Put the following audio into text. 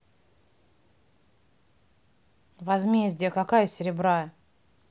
возмездие какая серебра